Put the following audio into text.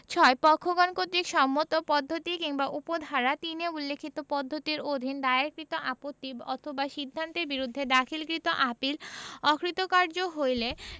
৬ পক্ষগণ কর্তৃক সম্মত পদ্ধতি কিংবা উপ ধারা ৩ এ উল্লেখিত পদ্ধতির অধীন দায়েরকৃত আপত্তি অথবা সিদ্ধান্তের বিরুদ্ধে দাখিলকৃত আপীল অকৃতভার্য হইলে